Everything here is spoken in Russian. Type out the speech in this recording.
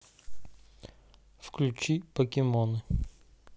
включить покемоны